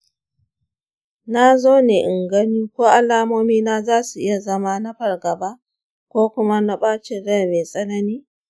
na zo ne in gani ko alamomina za su iya zama na fargaba ko kuma na bacin rai mai tsanani